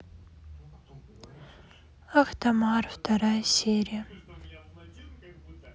ахтамар вторая серия